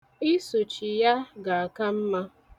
Ịsụchi ya ga-aka mma.